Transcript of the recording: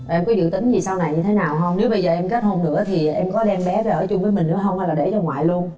em có dự tính gì sau này như thế nào hông nếu bây giờ em kết hôn nữa thì em có đem bé về ở chung với mình nữa hông hay là để cho ngoại lun